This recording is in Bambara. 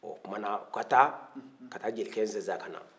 o tumana u ka taa jelikɛ in sinsin ka na